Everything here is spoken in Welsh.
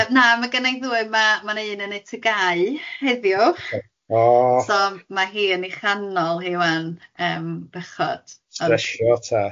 yy na ma' gynna i ddwy ma' ma' na un yn neud tygau heddiw... Oh. ...so ma' hi yn ei chanol hi ŵan yym bechod ond... Stressio ta